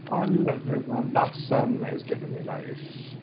*O love you man, that sun is giving me life.